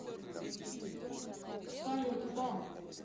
салют о